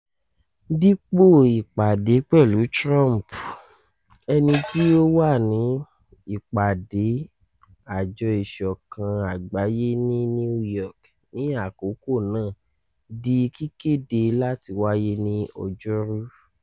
Dípò, ìpàdé pẹ̀lú Trump, ẹni tí ó wà ní ìpàdé Àjọ ìṣọ̀kan Àgbáyé ní New York ní àkókò náà, di kíkéde láti wáyé ní ọjọ́’rú.